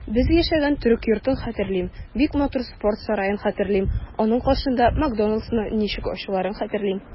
Без яшәгән төрек йортын хәтерлим, бик матур спорт сараен хәтерлим, аның каршында "Макдоналдс"ны ничек ачуларын хәтерлим.